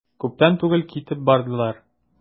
Күптән түгел китеп бардылар.